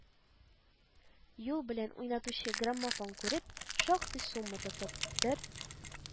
Юл белән уйнатучы граммофон күреп, шактый сумма тотып, бер